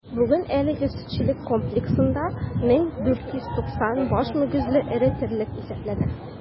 Бүген әлеге сөтчелек комплексында 1490 баш мөгезле эре терлек исәпләнә.